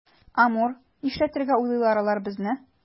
Амур, нишләтергә уйлыйлар алар безне?